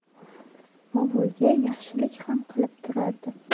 ovulga yaxshilik ham qilib turardi